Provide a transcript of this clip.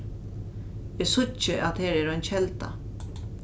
eg síggi at her er ein kelda